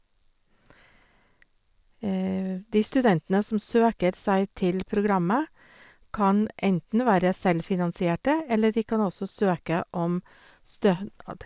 De studentene som søker seg til programmet, kan enten være selvfinansierte, eller de kan også søke om stønad.